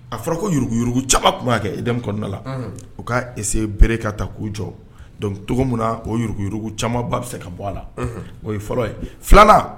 A fɔra ko yuruguyugu camanma tun a kɛ e kɔnɔnadala o ka ese bere ka ta k' jɔc cogo min o yuruguyugu caman ba bɛ se ka bɔ a la o ye fɔlɔ ye fila